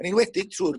yn enwedig trw'r